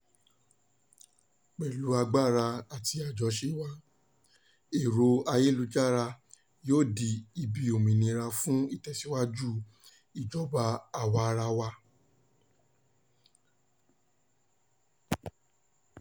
Pẹ̀lú agbára àti àjọṣe wa, ẹ̀rọ-ayélujára yóò di ibi òmìnira fún ìtẹ̀síwájú ìjọba àwa-arawa.